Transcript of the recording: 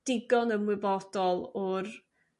digon ymwybodol o'r